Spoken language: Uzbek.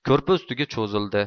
ko'rpa ustiga chuzildi